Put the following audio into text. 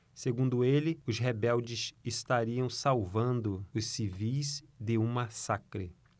segundo ele os rebeldes estariam salvando os civis de um massacre